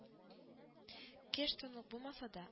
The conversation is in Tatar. Кеш тун ук булмаса да